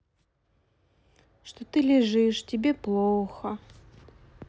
что ты лежишь тебе плохо